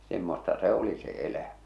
semmoista se oli se elämä